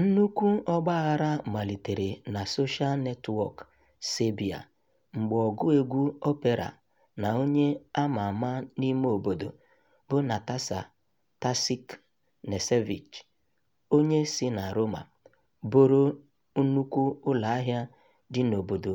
Nnukwu ọgbaghara malitere na soshaa netwọkụ Serbia mgbe ọgụ egwu opera na onye a ma ama n'ime obodo bụ Nataša Tasić Knežević, onye si na Roma boro nnukwu ụlọ ahịa dị n'obodo